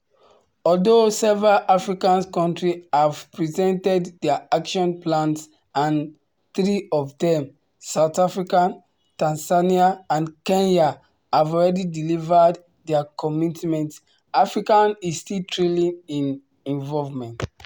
Although several African countries have presented their action plans and three of them — South Africa, Tanzania, and Kenya — have already delivered their commitments, Africa is still trailing in involvement.